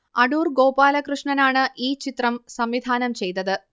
അടൂർ ഗോപാലകൃഷ്ണനാണ് ഈ ചിത്രം സംവിധാനം ചെയ്തത്